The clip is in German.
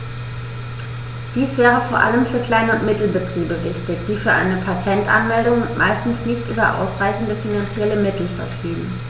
Dies wäre vor allem für Klein- und Mittelbetriebe wichtig, die für eine Patentanmeldung meistens nicht über ausreichende finanzielle Mittel verfügen.